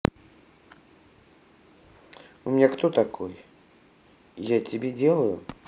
у меня кто такой я тебе делаю